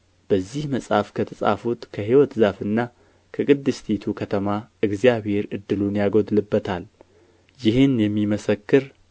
በዚህ መጽሐፍ ከተጻፉት ከሕይወት ዛፍና ከቅድስቲቱ ከተማ እግዚአብሔር ዕድሉን ያጎድልበታል ይህን የሚመሰክር